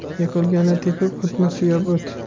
yiqilganni tepib o'tma suyab o't